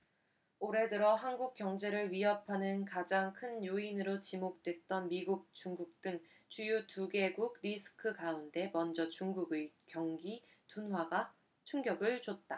올해 들어 한국 경제를 위협하는 가장 큰 요인으로 지목됐던 미국 중국 등 주요 두 개국 리스크 가운데 먼저 중국의 경기 둔화가 충격을 줬다